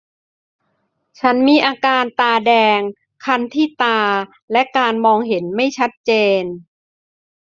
ฉันมีอาการตาแดงคันที่ตาและการมองเห็นไม่ชัดเจน